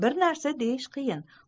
bir narsa deyish qiyin